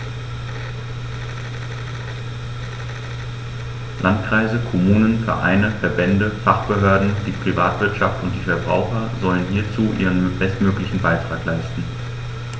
Landkreise, Kommunen, Vereine, Verbände, Fachbehörden, die Privatwirtschaft und die Verbraucher sollen hierzu ihren bestmöglichen Beitrag leisten.